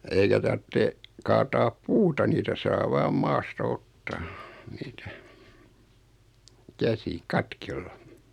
eikä tarvitse kaataa puuta niitä saa vain maasta ottaa niitä käsin katkoilla